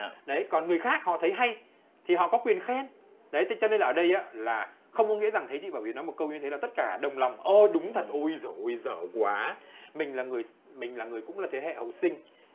đấy còn người khác họ thấy hay thì họ có quyền khen đấy thế cho nên là ở đây á là không có nghĩa rằng thấy chị bảo yến nói một câu như thế là tất cả đồng lòng o đúng thật ôi dồi ôi dở quá mình là người mình là người cũng là thế hệ học sinh